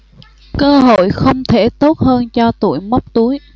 cơ hội không thể tốt hơn cho tụi móc túi